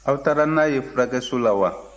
aw taara n'a ye furakɛso la wa